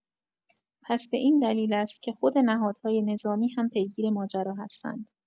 پس به این دلیل است که خود نهادهای نظامی هم پیگیر ماجرا هستند.